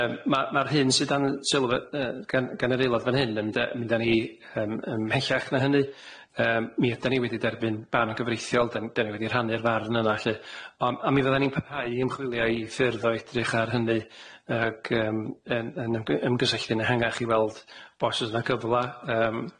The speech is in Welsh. Yym ma' ma'r hyn sy dan sylfa- yy gan gan yr aelod fan hyn yn de- yn mynd â ni yym yn mhellach na hynny yym mi ydan ni wedi derbyn barn gyfreithiol dan dan ni wedi rhannu'r farn yna lly on' on' mi fyddan ni'n parhau i ymchwilio i ffyrdd o edrych ar hynny ag yym yn yn ymg- ymgysylltu'n ehangach i weld bo's os na gyfla yym.